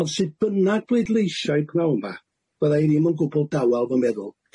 ond sut bynnag bleidleisio'i gnawma fydda i ddim yn gwbwl dawel fy meddwl.